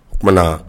O kumana